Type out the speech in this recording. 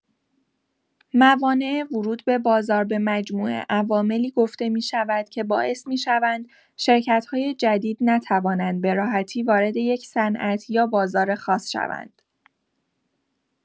موانع ورود به بازار به مجموعه عواملی گفته می‌شود که باعث می‌شوند شرکت‌های جدید نتوانند به‌راحتی وارد یک صنعت یا بازار خاص شوند.